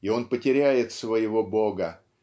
и он потеряет своего Бога